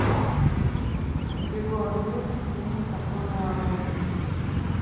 егор летов ленин такой молодой